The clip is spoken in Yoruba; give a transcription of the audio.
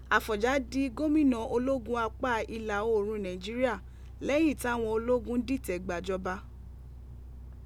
Àfọ̀njá di gomina ologun apa ila oorun Naijiria lẹyin tawọn ologun ditẹ gbajọba.